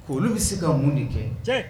Olu bɛ se ka mun ni kɛ